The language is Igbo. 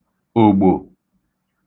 ògbò